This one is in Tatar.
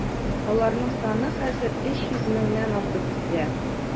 Аларның саны хәзер 300 меңнән артып китә.